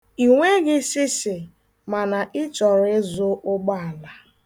Ịnweghị shịshị mana ị chọrọ ịzụ ụgbọala.